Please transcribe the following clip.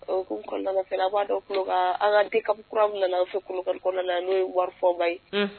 O hukumu kɔnɔna b'a d'aw tulo kan, an ka DCAP kura min nana an fɛ Kolokani kɔnɔna na n'o ye Umaru Fɔnba ye. Un!